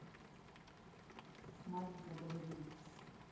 маленькая балерина